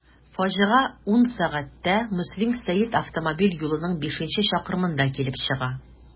Фаҗига 10.00 сәгатьтә Мөслим–Сәет автомобиль юлының бишенче чакрымында килеп чыга.